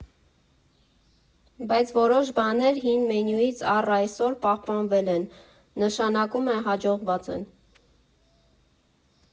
Բայց որոշ բաներ հին մենյուից առ այսօր պահպանվել են, նշանակում է՝ հաջողված են։